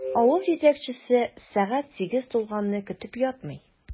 Авыл җитәкчесе сәгать сигез тулганны көтеп ятмый.